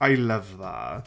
I love that.